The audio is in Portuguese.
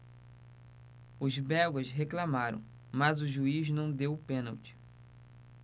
os belgas reclamaram mas o juiz não deu o pênalti